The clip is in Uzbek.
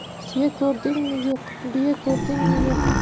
tuya ko'rdingmi yo'q biya ko'rdingmi yo'q